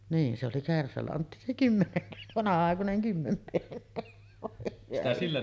niin se oli kärsälantti se - voi hyvä ihme